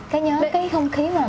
thấy nhớ cái không khí